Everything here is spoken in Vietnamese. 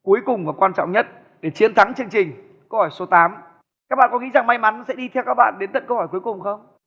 cuối cùng và quan trọng nhất để chiến thắng chương trình câu hỏi số tám các bạn có nghĩ rằng may mắn sẽ đi theo các bạn đến tận câu hỏi cuối cùng không